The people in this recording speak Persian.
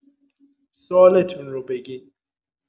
سوالتون رو بگین